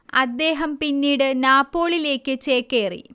അദ്ദേഹം പിന്നീട് നാപ്പോളിലേക്ക് ചേക്കേറി